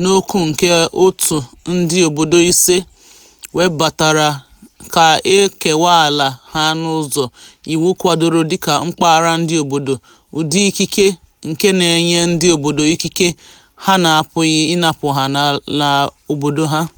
n'okwu nke òtù ndị obodo ise webatara ka e kewaa ala ha n'ụzọ iwu kwadoro dịka mpaghara ndị obodo, ụdị ikike nke na-enye ndị obodo ikike ha n'apụghị inapụ ha n'ala obodo ha.